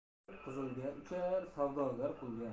qizlar qizilga uchar savdogar pulga